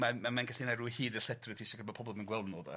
Ma'n ma' mae'n gallu neud ryw hud a lledrith i sicr bo' pobldim yn gweld nw de.